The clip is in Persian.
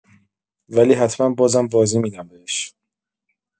ولی حتما بازم بازی می‌دن بهش